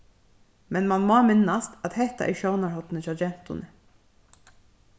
men mann má minnast at hetta er sjónarhornið hjá gentuni